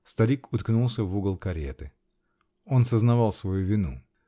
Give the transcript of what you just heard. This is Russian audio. Старик уткнулся в угол кареты. Он сознавал свою вину